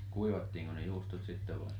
kuivattiinko ne juustot sitten vai